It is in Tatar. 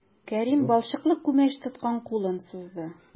Кәрим балчыклы күмәч тоткан кулын сузды.